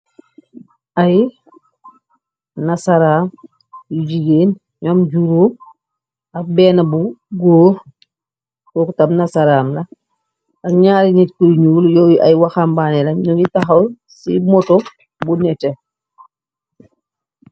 ay nasaraam yu jigéen ñoom juróo ab benn bu góox kooktab nasaram la ak ñaari nit kuy ñul yooyu ay waxambaane la ñungi taxaw ci moto bu nete